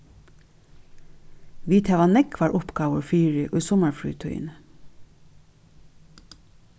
vit hava nógvar uppgávur fyri í summarfrítíðini